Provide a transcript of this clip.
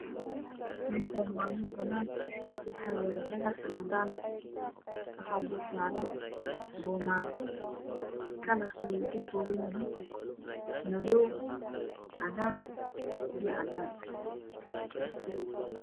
Meeshaan waa meel banaan ah waxaa yaalo dhagax cadaan ah waxaa dul saaran bomato kalarkeeda ka kobanyahay madoow cagaar iyo cadaan